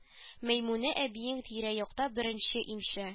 Мәймүнә әбиең тирә-якта беренче имче